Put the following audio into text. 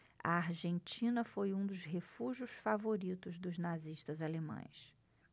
a argentina foi um dos refúgios favoritos dos nazistas alemães